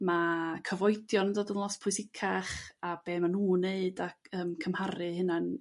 Ma' cyfoedion dod yn lot pwysicach a be' ma' nhw'n 'neud ac yrm cymharu'u hunan